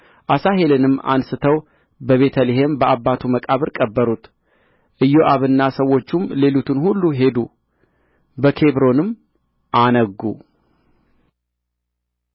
አሣሄልንም አንሥተው በቤተ ልሔም በአባቱ መቃብር ቀበሩት ኢዮአብና ሰዎቹም ሌሊቱን ሁሉ ሄዱ በኬብሮንም አነጉ